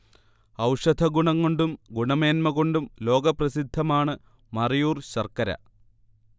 ഔഷധഗുണം കൊണ്ടും ഗുണമേൻമക്കൊണ്ടും ലോകപ്രസിദ്ധമാണ് മറയൂർ ശർക്കര